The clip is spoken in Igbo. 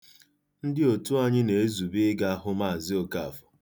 Ndị otu anyị na-ezube ịga hụ Mz. Okafọ.